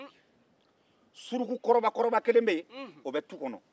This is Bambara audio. suruku kɔrɔba kelen bɛ tu kɔnɔ